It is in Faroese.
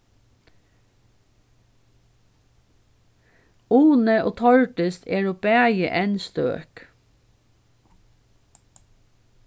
uni og tordis eru bæði enn støk